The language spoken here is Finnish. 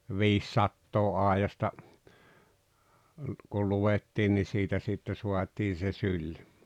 viisisataa aidasta kun luettiin niin siitä sitten saatiin se syli